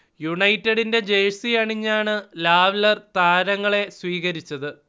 യുണൈറ്റഡിന്റെ ജഴ്സി അണിഞ്ഞാണ് ലാവ്ലെർ താരങ്ങളെ സ്വീകരിച്ചത്